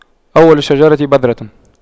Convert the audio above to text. أول الشجرة بذرة